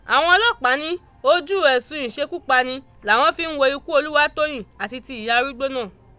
Àwọn ọlọ́pàá ní ojú ẹ̀sùn ìṣekúpani làwọn fi ń wo ikú Olúwatóyìn àti tí Ìyá arúgbó náà.